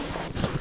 d' accord